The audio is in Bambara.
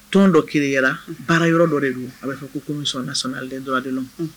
Tɔnon dɔ kiy baara yɔrɔ dɔ de don a b'a fɔ ko mi sa dɔrɔnra de nɔn